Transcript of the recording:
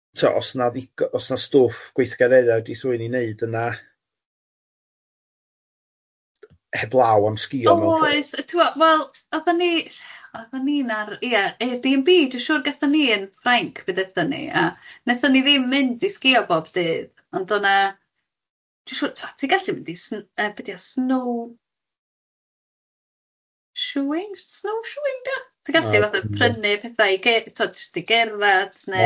tibo os na ddig- os na stwff gweithgaredda geith rhun i wneud yna, heblaw am sgïo mewn ffordd? Oes tibod wel oeddan, ni oeddan ni'n ar ia Airbnb dwi'n siŵr gathon ni yn Ffrainc be dydan ni a wnaethon ni ddim mynd i sgïo bob dydd ond o'na, dwi'n siŵr tibod ti'n gallu mynd i sn- yy be di o? Snow-shoeing snowshoeing dio? Ti'n gallu fatha prynu petha i ge- tibod jyst i gerddedd neu... O ia ocê.